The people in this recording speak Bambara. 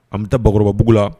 An bɛ taa bakɔrɔbabugu la